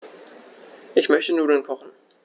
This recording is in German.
Ich möchte Nudeln kochen.